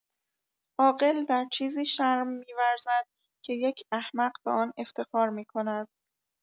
عاقل در چیزی شرم می‌ورزد که یک احمق به آن افتخار می‌کند!